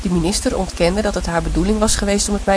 minister ontkende dat het haar bedoeling was geweest